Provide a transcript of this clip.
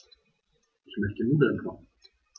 Ich möchte Nudeln kochen.